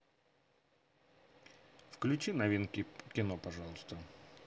включи новинки кино пожалуйста